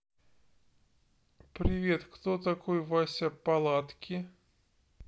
привет кто такой вася палатки